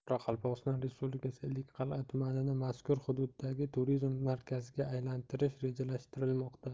qoraqalpog'iston respublikasi ellikqal'a tumanini mazkur hududdagi turizm markaziga aylantirish rejalashtirilmoqda